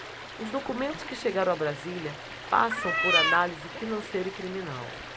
os documentos que chegaram a brasília passam por análise financeira e criminal